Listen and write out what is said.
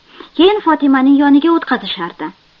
keyin fotimaning yoniga o'tqazishardi